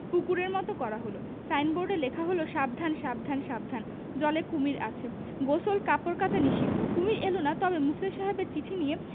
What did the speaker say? পুকুরের মৃত করা হল সাইনবোর্ডে লেখা হল সাবধান সাবধান সাবধান জলে কুমীর আছে গোসল কাপড় কাচা নিষিদ্ধ কুমীর এল না তবে মুখলেস সাহেবের চিঠি নিয়ে